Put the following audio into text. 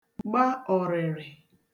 gba ọ̀rị̀rị̀